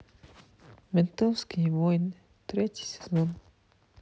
ментовские войны третий сезон